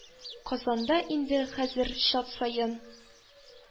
Казанда инде хәзер чат саен